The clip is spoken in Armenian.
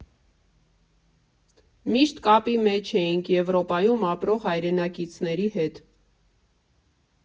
Միշտ կապի մեջ էինք Եվրոպայում ապրող հայրենակիցների հետ.